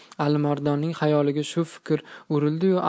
alimardonning xayoliga shu fikr urildi yu